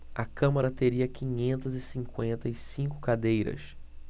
a câmara teria quinhentas e cinquenta e cinco cadeiras